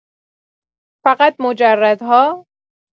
فقط مجردها؟